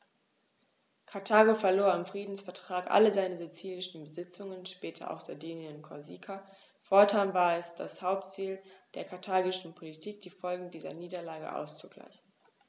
Karthago verlor im Friedensvertrag alle seine sizilischen Besitzungen (später auch Sardinien und Korsika); fortan war es das Hauptziel der karthagischen Politik, die Folgen dieser Niederlage auszugleichen.